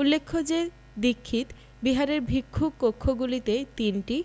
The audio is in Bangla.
উল্লেখ্য যে দীক্ষিত বিহারের ভিক্ষু কক্ষগুলিতে তিনটি